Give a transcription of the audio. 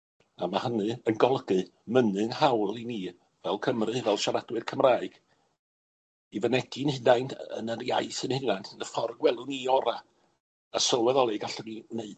A ma' hynny yn golygu mynnu'n hawl i ni, fel Cymry, fel siaradwyr Cymraeg, i fynegi'n hunain yy yn yr iaith ein hunan, yn y ffordd gwelwn ni ora, a sylweddoli gallwn ni